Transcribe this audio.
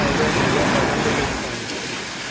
avliyotabiat odam deb eshitganmiz